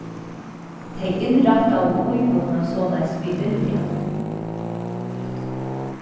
tey innrættaðu íbúðina soleiðis við vilja